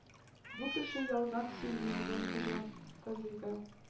— бу кеше ялган сөйли,— дигән хуҗа казыйга.